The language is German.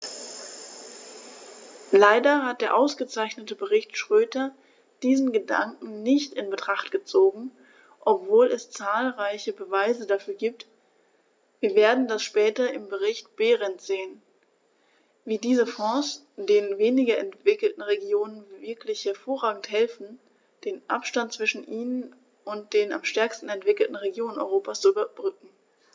Leider hat der ausgezeichnete Bericht Schroedter diesen Gedanken nicht in Betracht gezogen, obwohl es zahlreiche Beweise dafür gibt - wir werden das später im Bericht Berend sehen -, wie diese Fonds den weniger entwickelten Regionen wirklich hervorragend helfen, den Abstand zwischen ihnen und den am stärksten entwickelten Regionen Europas zu überbrücken.